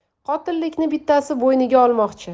qotillikni bittasi bo'yniga olmoqchi